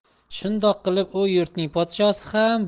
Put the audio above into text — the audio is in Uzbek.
shundoq qilib u yurtning podshosi ham